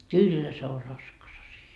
kyllä se on raskas asia